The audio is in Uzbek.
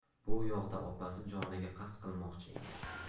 bu yoqda opasi joniga qasd qilmoqchi emish